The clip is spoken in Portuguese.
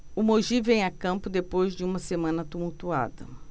o mogi vem a campo depois de uma semana tumultuada